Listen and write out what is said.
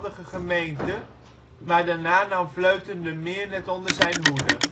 gemeente, maar daarna nam Vleuten-De Meern het onder zijn hoede